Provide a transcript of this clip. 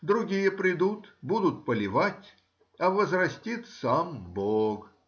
другие придут — будут поливать, а возрастит сам бог.